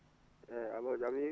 eeyi aloo jam hiiri